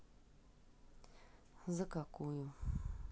за какую